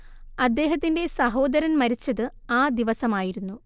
അദ്ദേഹത്തിന്റെ സഹോദരൻ മരിച്ചത് ആ ദിവസമായിരുന്നു